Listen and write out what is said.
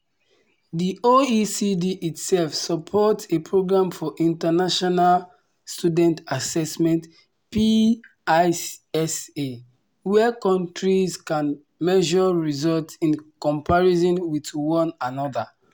The OECD itself supports a Programme for International Student Assessment (PISA) where countries can measure results in comparison with one another.